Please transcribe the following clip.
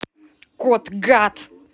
кот гад